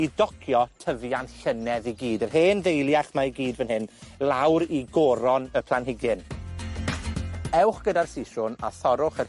i docio tyfiant llynedd i gyd, yr hen ddeiliach 'ma i gyd fan hyn, i lawr i goron y planhigyn. Ewch gyda'r siswrn, a thorrwch yr